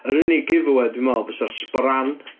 Yr unig giveaway dwi'n meddwl bysa'r sporran.